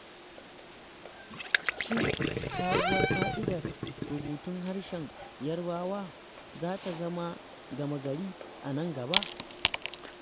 Shin sabuwar ƙa'idar rubutun harshen Yarbawa za ta zama gama-gari a nan gaba?